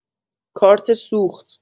کارت سوخت